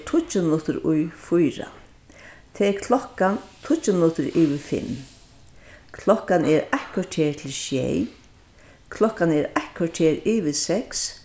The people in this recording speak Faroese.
tíggju minuttir í fýra tað er klokkan tíggju minuttir yvir fimm klokkan er eitt korter til sjey klokkan er eitt korter yvir seks